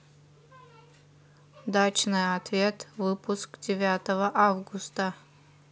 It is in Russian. дачный ответ выпуск девятого августа